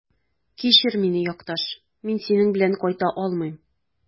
Кичер мине, якташ, мин синең белән кайта алмыйм.